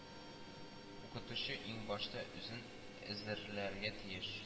Укытучы иң башта үзен әзерләргә тиеш